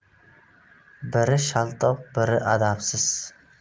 biri shaltoq biri adabsiz